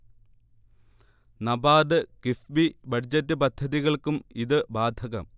NABARD, KIIFB, budget പദ്ധതികൾക്കും ഇത് ബാധകം